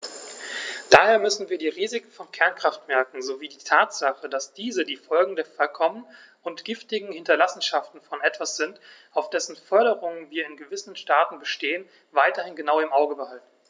Daher müssen wir die Risiken von Kernkraftwerken sowie die Tatsache, dass diese die Folgen der verkommenen und giftigen Hinterlassenschaften von etwas sind, auf dessen Förderung wir in gewissen Staaten bestehen, weiterhin genau im Auge behalten.